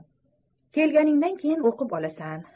kelganingdan keyin o'qib olasan